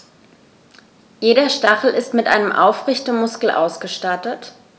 Jeder Stachel ist mit einem Aufrichtemuskel ausgestattet.